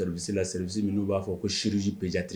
Service la service n'u b'a fé ko chirurgie pédiatri